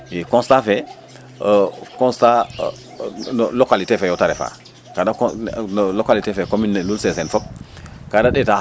i constat fe o constat no localité fe yo ta refa kada no localité fe commune ne Lul seseen fop